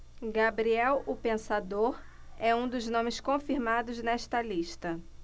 gabriel o pensador é um dos nomes confirmados nesta lista